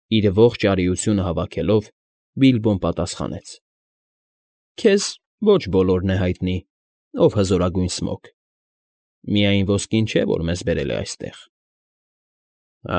Իր ողջ արիությունը հավաքելով՝ Բիլբոն պատասխանեց. ֊ Քեզ ոչ բոլորն է հայտնի, ով Հզորագույն Սմոգ, միայն ոսկին չէ, որ մեզ բերել է այստեղ։ ֊